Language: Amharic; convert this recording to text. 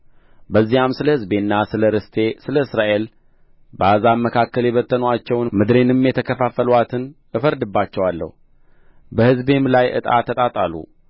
በዚያም ስለ ሕዝቤና ስለ ርስቴ ስለ እስራኤል በአሕዛብ መካከል የበተኑአቸውን ምድሬንም የተካፈሉአትን እፋረድባቸዋለሁ በሕዝቤም ላይ ዕጣ ተጣጣሉ